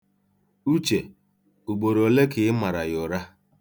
Uche, ugboroole ka ị mara ya ụra?